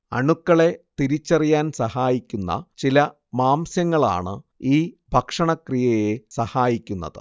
അണുക്കളെ തിരിച്ചറിയാൻ സഹായിക്കുന്ന ചില മാംസ്യങ്ങളാണ് ഈ ഭക്ഷണക്രിയയെ സഹായിക്കുന്നത്